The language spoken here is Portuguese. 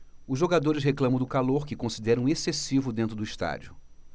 os jogadores reclamam do calor que consideram excessivo dentro do estádio